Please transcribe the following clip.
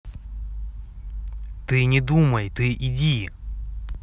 ты не думай ты иди